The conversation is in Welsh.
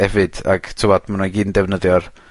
efyd ag t'wod ma' nw i gyd yn defnyddio'r